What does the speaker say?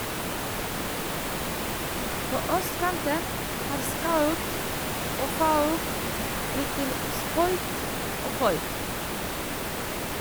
På østkanten har "skaut" og "fauk" blitt til "skøyt" og "føyk".